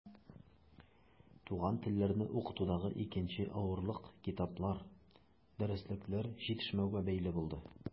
Туган телләрне укытудагы икенче авырлык китаплар, дәреслекләр җитешмәүгә бәйле булды.